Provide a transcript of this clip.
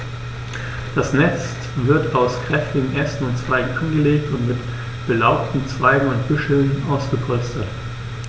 Das Nest wird aus kräftigen Ästen und Zweigen angelegt und mit belaubten Zweigen und Büscheln ausgepolstert.